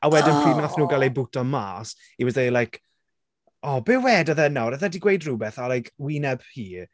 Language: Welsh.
A wedyn pryd wnaethon nhw... o! ...gael eu bwtio mas, he was there like... O be wedodd e nawr? Oedd e 'di gweud rhywbeth ar like wyneb hi.